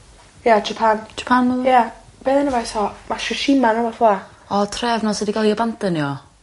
Ia Japan. Japan odd o? Ie. Be' odd enw fe 'to Mashushima ne' wbath fel 'a. O tref 'na sy 'di ga'l ei abandanio?